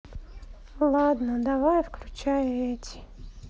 ладно давай включай эти